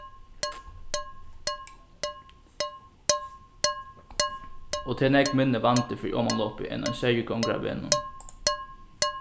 og tað er nógv minni vandi fyri omanlopi enn at ein seyður gongur á vegnum